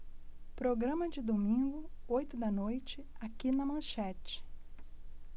programa de domingo oito da noite aqui na manchete